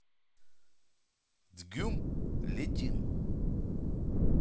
tgym летим